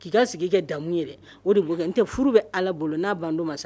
K'i'a sigi i ka damu ye o de bo n tɛ furu bɛ ala bolo n'a banto ma sa